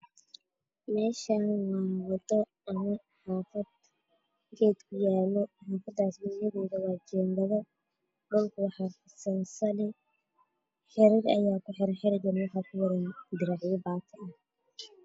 Meeshaan waa wado ama xaafado geedo ayaa kuyaala guryaheedana waa jiingado dhulka waxaa kufidsan sali waxaa kuxiran xarig waxaa kuwan baati.